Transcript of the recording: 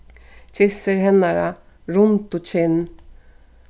kyssir hennara rundu kinn